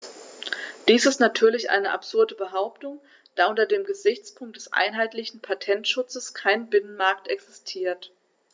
Dies ist natürlich eine absurde Behauptung, da unter dem Gesichtspunkt des einheitlichen Patentschutzes kein Binnenmarkt existiert.